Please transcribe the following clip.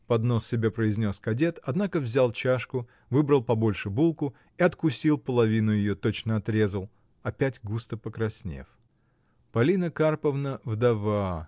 — под нос себе произнес кадет, однако взял чашку, выбрал побольше булку и откусил половину ее, точно отрезал, опять густо покраснев. Полина Карповна вдова.